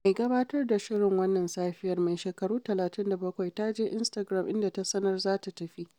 Mai gabatar da shirin Wannan Safiyar, mai shekaru 37, ta je Instagram inda ta sanar za ta tafi.